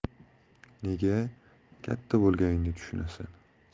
nega katta bo'lganingda tushunasan